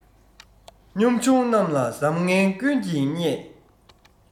གཉོམ ཆུང རྣམས ལ བཟང ངན ཀུན གྱིས བརྙས